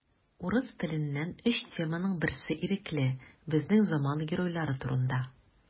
Урыс теленнән өч теманың берсе ирекле: безнең заман геройлары турында.